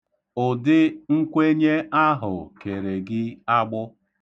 Ụdị nkwenye ahụ kere gị agbụ.